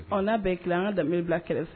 Ɔ n'a bɛɛ ye 1 ye an ŋa Dembele bila kɛrɛfɛ